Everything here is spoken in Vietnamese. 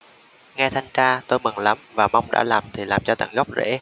nghe thanh tra tôi mừng lắm và mong đã làm thì làm cho tận gốc rễ